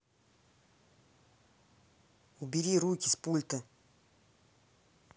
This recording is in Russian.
убери руки с пульта